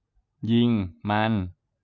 ยิง